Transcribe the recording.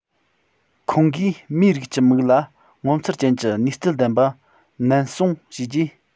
ཁོང གིས མིའི རིགས ཀྱི མིག ལ ངོ མཚར ཅན གྱི ནུས རྩལ ལྡན པ ནན གསུངས བྱས རྗེས